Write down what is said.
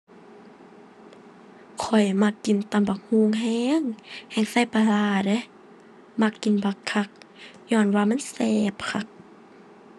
ข้อยมักกินตำบักหุ่งแรง แฮ่งใส่ปลาร้าเดะ มักกินบักคัก ญ้อนว่ามันแซ่บคัก